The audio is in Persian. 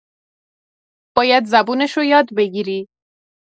باید زبونشو یاد بگیری.